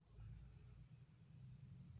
ཏཱ ལའི ཡིས ལོ རྒྱུས ཀྱི དོན དངོས ལ བརྩི འཇོག མི བྱེད པར